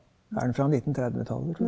er den fra en nittentrettitallet ?